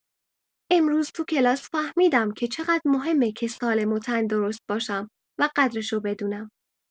امروز تو کلاس فهمیدم که چقدر مهمه که سالم و تن‌درست باشم و قدرشو بدونم.